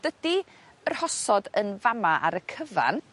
Dydi y rhosod yn fa' 'ma ar y cyfan